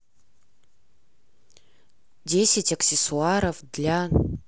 десять аксессуаров для